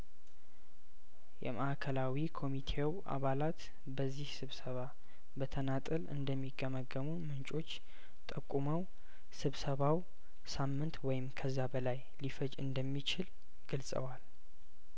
የማእከላዊ ኮሚቴው አባላት በዚህ ስብሰባ በተናጠል እንደሚገመገሙ ምንጮች ጠቁመው ስብሰባው ሳምንት ወይም ከዛ በላይ ሊ ፈጅ እንደሚችል ገልጸዋል